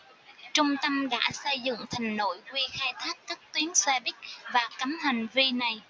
trung tâm đã xây dựng thành nội quy khai thác các tuyến xe buýt và cấm hành vi này